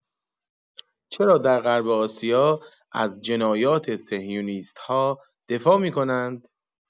چرا در غرب آسیا از جنایات صهیونیست‌ها دفاع می‌کنند؟